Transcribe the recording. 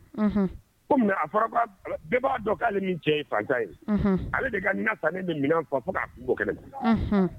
A bɛɛ b'a dɔn k'ale cɛ ye fantan ye ale de ka san min mina fɔ fo kɛnɛ